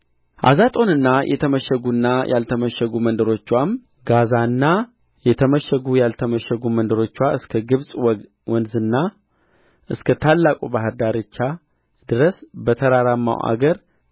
አዛጦንና የተመሸጉና ያልተመሸጉ መንደሮችዋም ጋዛና የተመሸጉ ያልተመሸጉም መንደሮችዋ እስከ ግብፅ ወንዝና እስከ ታላቁ ባሕር ዳርቻ ድረስ በተራራማውም አገር